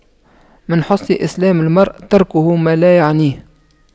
من حسن إسلام المرء تَرْكُهُ ما لا يعنيه